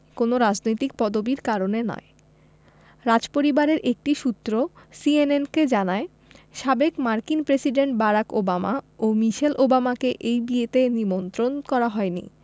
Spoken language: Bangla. কোনো রাজনৈতিক পদবির কারণে নয় রাজপরিবারের একটি সূত্র সিএনএনকে জানায় সাবেক মার্কিন প্রেসিডেন্ট বারাক ওবামা ও মিশেল ওবামাকে এই বিয়েতে নিমন্ত্রণ করা হয়নি